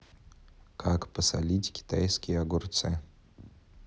как посолить китайские огурцы